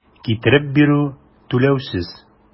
Китереп бирү - түләүсез.